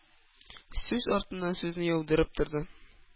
Сүз артыннан сүзне яудырып торды,